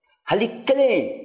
hali kelen